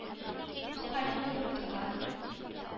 Бу хәлне күреп торган,